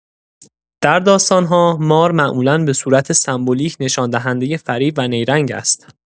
در داستان‌ها، مار معمولا به‌صورت سمبولیک نشان‌دهندۀ فریب و نیرنگ است.